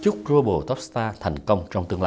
chúp ru bồ tóp sờ ta thành công trong tương